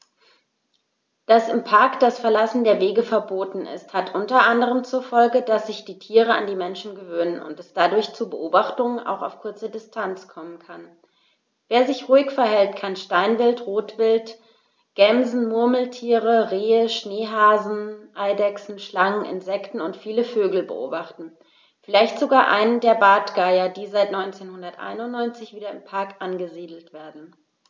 Dass im Park das Verlassen der Wege verboten ist, hat unter anderem zur Folge, dass sich die Tiere an die Menschen gewöhnen und es dadurch zu Beobachtungen auch auf kurze Distanz kommen kann. Wer sich ruhig verhält, kann Steinwild, Rotwild, Gämsen, Murmeltiere, Rehe, Schneehasen, Eidechsen, Schlangen, Insekten und viele Vögel beobachten, vielleicht sogar einen der Bartgeier, die seit 1991 wieder im Park angesiedelt werden.